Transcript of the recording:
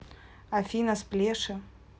афина сплеши